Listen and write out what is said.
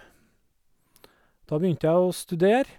Da begynte jeg å studere.